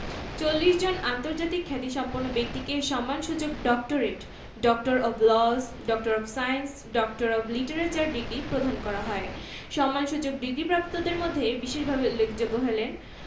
৪০ জন আন্তর্জাতিক খ্যাতিসম্পন্ন ব্যক্তিকে সম্মানসূচক doctorate doctor of laws doctor of science doctor of literature degree প্রদান করা হয় সম্মানসূচক ডিগ্রিপ্রাপ্তদের মধ্যে বিশেষভাবে উল্লেখযোগ্য হলেন